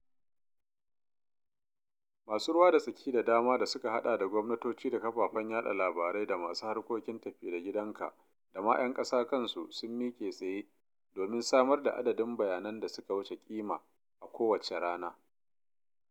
Masu ruwa da tsaki da dama da suka haɗa da gwamnatoci da kafafen yaɗa labarai da masu harkokin tafi da gidanka da ma 'yan ƙasa kansu sun miqe tsaye domin samar da adadin bayanan da suka wuce kima a kowacce rana.